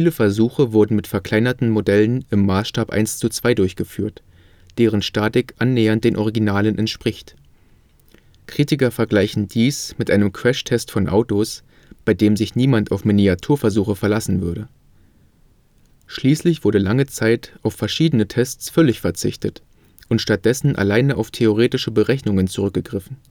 Versuche wurden mit verkleinerten Modellen im Maßstab 1:2 durchgeführt, deren Statik annähernd den Originalen entspricht. Kritiker vergleichen dies mit einem Crashtest von Autos, bei dem sich niemand auf Miniaturversuche verlassen würde. Schließlich wurde lange Zeit auf verschiedene Tests völlig verzichtet und stattdessen alleine auf theoretische Berechnungen zurückgegriffen